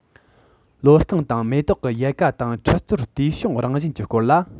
ལོ རྐང དང མེ ཏོག གི ཡལ ག དང འཁྲིལ ཙོར བལྟོས བྱུང རང བཞིན གྱི སྐོར ལ